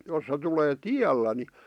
jos se tulee tiellä niin